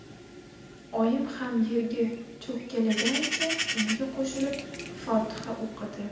oyim ham yerga cho'kkalagancha unga qo'shilib fotiha o'qidi